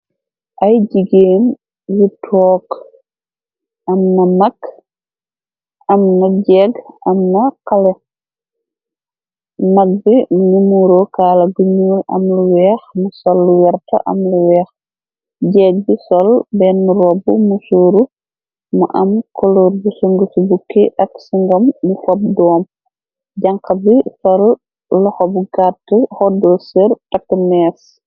Ay jigéen yu toog am na mag am na jeeg am na xale mag bi mu nu muuro kaala gu ñuul am lu weex mu sol lu wert am lu weex jegg bi sol benn robb mu sooru mu am coloor bu sung ci bukki ak singom nu pob doom jànx bi sol loxo bu gàtt hoddo sër takk mess.